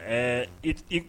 Ɛɛ i t i k